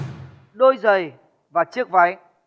đôi giầy và chiếc váy